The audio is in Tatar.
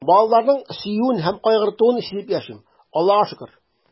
Балаларның сөюен һәм кайгыртуын сизеп яшим, Аллага шөкер.